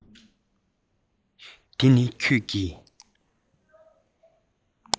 འདི ནི ཁྱོད ཀྱིས